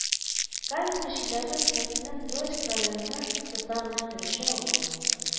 Каменка Чиләбе өлкәсенең Троицк районы составына керүче авыл